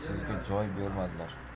sizga joy bermadilar